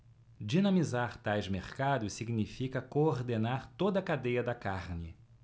dinamizar tais mercados significa coordenar toda a cadeia da carne